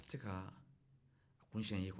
a tɛ se k'a kun siɲɛ i ye kuwa